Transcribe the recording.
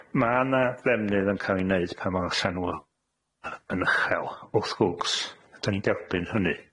Ma' 'na ddefnydd yn ca'l ei neud pan ma'r llanw yn uchel, wrth gwrs, 'dan ni'n derbyn hynny,